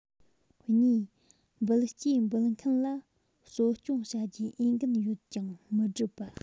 གཉིས འབུལ སྐྱེས འབུལ མཁན ལ གསོ སྐྱོང བྱ རྒྱུའི འོས འགན ཡོད ཀྱང མི སྒྲུབ པ